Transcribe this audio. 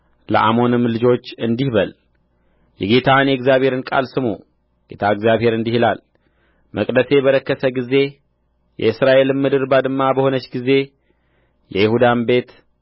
ለአሞንም ልጆች እንዲህ በል የጌታን የእግዚአብሔርን ቃል ስሙ ጌታ እግዚአብሔር እንዲህ ይላል መቅደሴ በረከሰ ጊዜ የእስራኤልም ምድር ባድማ በሆነች ጊዜ የይሁዳም ቤት